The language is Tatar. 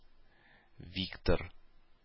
Виктор